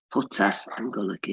Potas yn golygu...